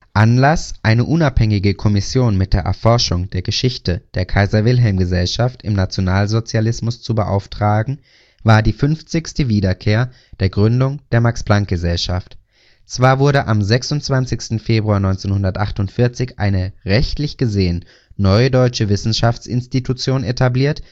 Anlass, eine unabhängige Kommission mit der Erforschung der Geschichte der Kaiser-Wilhelm-Gesellschaft im Nationalsozialismus zu beauftragen, war die fünfzigste Wiederkehr der Gründung der Max-Planck-Gesellschaft. Zwar wurde am 26. Februar 1948 eine - rechtlich gesehen - neue deutsche Wissenschaftsinstitution etabliert